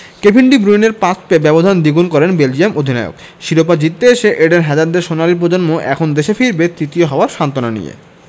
Kevin De ব্রুইনের pass পেয়ে ব্যবধান দ্বিগুণ করেন বেলজিয়ান অধিনায়ক শিরোপা জিততে এসে এডেন হ্যাজার্ডদের সোনালি প্রজন্ম এখন দেশে ফিরবে তৃতীয় হওয়ার সান্ত্বনা নিয়ে